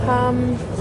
Pam...